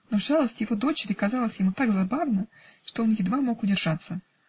но шалость его дочери казалась ему так забавна, что он едва мог удержаться.